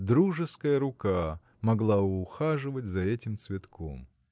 дружеская рука могла ухаживать за этим цветком.